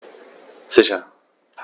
Sicher.